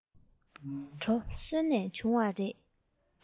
གྲོ སོན ནས བྱུང བ རེད